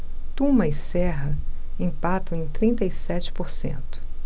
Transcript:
tuma e serra empatam em trinta e sete por cento